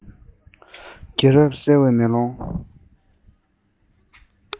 རྒྱལ རབས གསལ བའི མེ ལོང